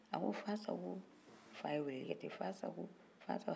a ko fasago fa ye weleli kɛ ten fasago fasa